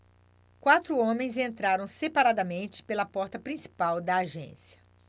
quatro homens entraram separadamente pela porta principal da agência